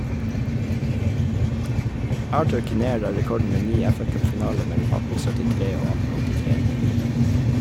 Arthur Kinnaird har rekorden med ni FA-cupfinaler mellom 1873 og 1883.